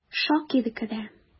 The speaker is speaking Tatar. Шакир керә.